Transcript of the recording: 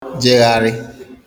jegharị